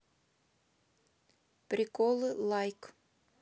приколы лайк